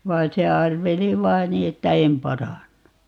vaan se arveli vain niin että en parannu